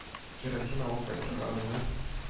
Керосин алып кайтырга гына